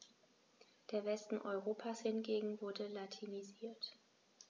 Der Westen Europas hingegen wurde latinisiert.